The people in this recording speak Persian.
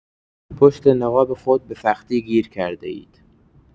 پشت نقاب خود به‌سختی گیر کرده‌اید.